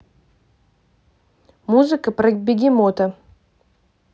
музыка про бегемота